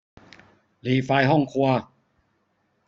หรี่ไฟห้องครัว